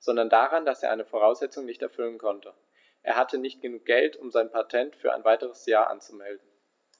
sondern daran, dass er eine Voraussetzung nicht erfüllen konnte: Er hatte nicht genug Geld, um sein Patent für ein weiteres Jahr anzumelden.